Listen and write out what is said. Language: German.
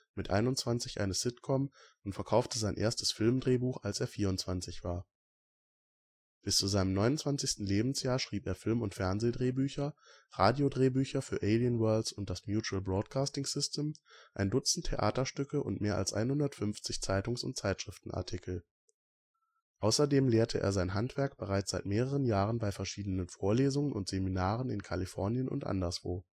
mit 21 eine Sitcom und verkaufte sein erstes Filmdrehbuch als er 24 war. Bis zu seinem 29. Lebensjahr schrieb er Film - und Fernsehdrehbücher, Radiodrehbücher für Alien Worlds und das Mutual Broadcasting System, ein Dutzend Theaterstücke und mehr als 150 Zeitungs - und Zeitschriftenartikel. Außerdem lehrte er sein Handwerk bereits seit mehreren Jahren bei verschiedenen Vorlesungen und Seminaren in Kalifornien und anderswo